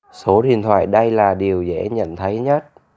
số điện thoại đây là điều dễ nhận thấy nhất